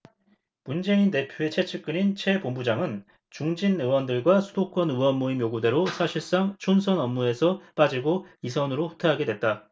문재인 대표의 최측근인 최 본부장은 중진 의원들과 수도권 의원 모임 요구대로 사실상 총선 업무에서 빠지고 이 선으로 후퇴하게 됐다